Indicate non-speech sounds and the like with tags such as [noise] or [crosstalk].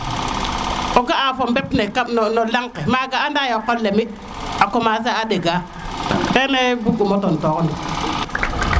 o ga'a fo mbep ne kam no no lang ko ndaya qol le mi a commencer a ɗega kene bug umo tonto xo ndikk [applause] n